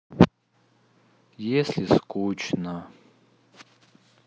если скучно